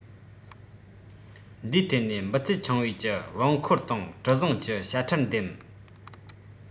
འདིའི ཐད ནས འབུད ཚད ཆུང བའི ཀྱི རླངས འཁོར དང གྲུ གཟིངས ཀྱི དཔྱ ཁྲལ འདེམས